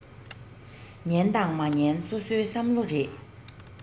ཉན དང མ ཉན སོ སོའི བསམ བློ རེད